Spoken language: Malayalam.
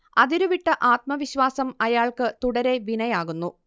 അതിരുവിട്ട ആത്മവിശ്വാസം അയാൾക്ക് തുടരെ വിനയാകുന്നു